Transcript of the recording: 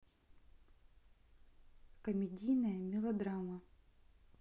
комедийная мелодрама